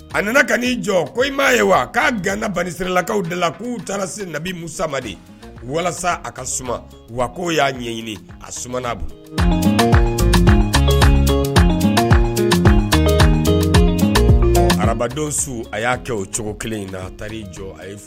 A nana ka' jɔ ko m'a ye wa k'a ganabaliselakaw de la k'u taara se nabimusa walasa a ka suma wa k ko y'a ɲɛɲini aumana arabadenw su a y'a kɛ o cogo kelen in na taa' jɔ